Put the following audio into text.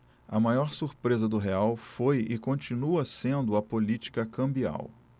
a maior surpresa do real foi e continua sendo a política cambial